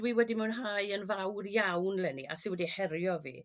Dwi wedi mwynhau yn fawr iawn 'lenni a sy wedi herio fi